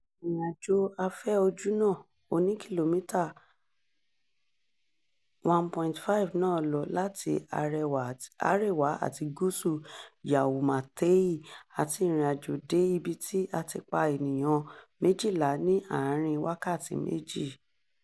Ìrìnàjò afẹ́ ojúnà oní kìlómítà 1.5 náà lọ láti arẹwà àti gúúsù Yau Ma Tei, àti ìrìnàjò dé ibi tí a ti pa ènìyàn 12 ní àárín-in wákàtí méjì.